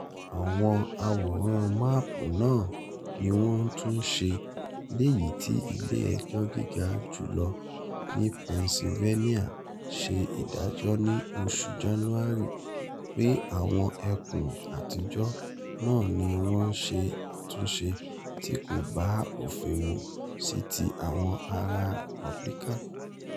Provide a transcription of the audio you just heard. Àwọn àwòrán máàpù náà ni wọ́n tún ṣe lẹ́yìn tí Ilé Ẹjọ́ Gíga Jù Lọ ní Pennsylvania ṣe ìdájọ́ ní oṣù January pé àwọn ẹkùn àtijọ́ náà ni wọ́n ṣe àtúnṣe tí kò bá òfin mu sí ti àwọn ará Republican.